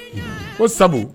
Ko sabu